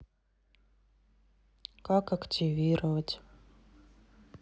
как активировать